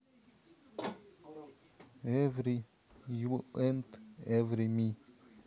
эври ю энд эври ми